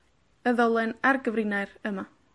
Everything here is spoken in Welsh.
y ddolen a'r gyfrinair yma.